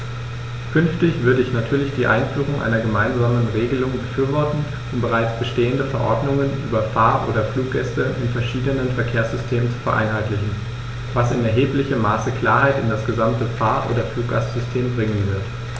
Künftig würde ich natürlich die Einführung einer gemeinsamen Regelung befürworten, um bereits bestehende Verordnungen über Fahr- oder Fluggäste in verschiedenen Verkehrssystemen zu vereinheitlichen, was in erheblichem Maße Klarheit in das gesamte Fahr- oder Fluggastsystem bringen wird.